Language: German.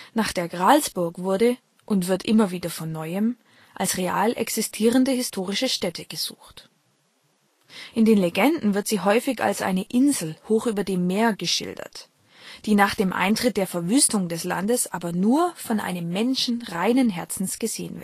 Nach der Gralsburg wurde und wird immer wieder von neuem als real existierende historische Stätte gesucht. In den Legenden wird sie häufig als eine Insel hoch über dem Meer geschildert, die nach dem Eintritt der Verwüstung des Landes aber nur von einem Menschen reinen Herzens gesehen